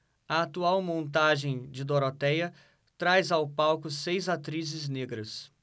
a atual montagem de dorotéia traz ao palco seis atrizes negras